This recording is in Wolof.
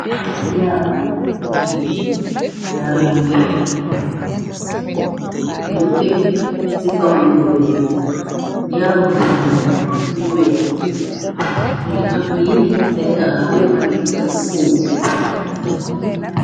Jaru jige, jaru yu weex ñu ngi tegu ci kaw lu weex. Jaaroom jigéen la yu weex, ñu ngi am piin seen gana bulu ngare dugar ci xow bi.